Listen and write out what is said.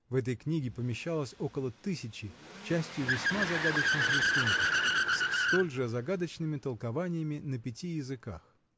В этой книге помещалось около тысячи частью весьма загадочных рисунков, с столь же загадочными толкованиями на пяти языках.